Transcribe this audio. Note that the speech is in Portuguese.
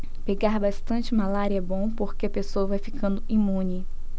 pegar bastante malária é bom porque a pessoa vai ficando imune